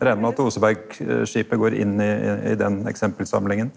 reknar med at Osebergskipet går inn i i i den eksempelsamlinga.